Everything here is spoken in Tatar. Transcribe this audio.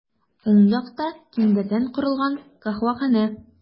Уң якта киндердән корылган каһвәханә.